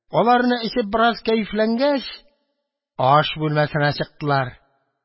Аларны эчеп бераз кәефләнгәч, аш бүлмәсенә чыктылар.